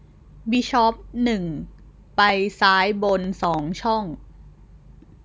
บิชอปหนึ่งไปซ้ายบนสองช่อง